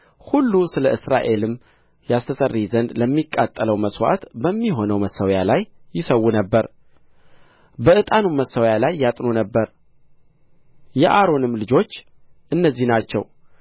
ሁሉ ስለ እስራኤልም ያስተሰርይ ዘንድ ለሚቃጠለው መሥዋዕት በሚሆነው መሠዊያ ላይ ይሠዉ ነበር በዕጣኑም መሠዊያ ላይ ያጥኑ ነበር የአሮንም ልጆች እነዚህ ናቸው